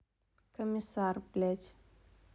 коммисар блядь